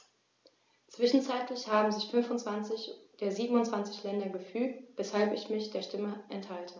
Zwischenzeitlich haben sich 25 der 27 Länder gefügt, weshalb ich mich der Stimme enthalte.